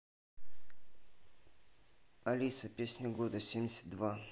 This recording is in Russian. алиса песня года семьдесят два